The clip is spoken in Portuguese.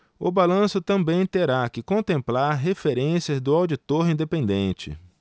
o balanço também terá que contemplar referências do auditor independente